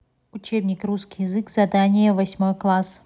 учебник русский язык задание восьмой класс